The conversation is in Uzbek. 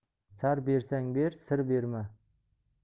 sar bersang ber sir berma